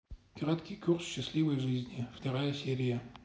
краткий курс счастливой жизни вторая серия